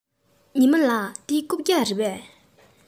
ཉི མ ལགས འདི རྐུབ བཀྱག རེད པས